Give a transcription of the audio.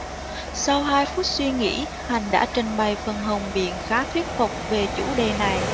sau hai phút suy nghĩ hạnh đã trình bày phần hùng biện khá thuyết phục về chủ đề này